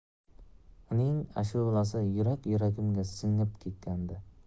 uning ashulasi yurak yuragimga singib ketgandi